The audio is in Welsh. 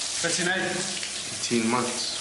Be' ti neud? Two months.